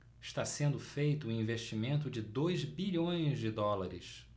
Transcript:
está sendo feito um investimento de dois bilhões de dólares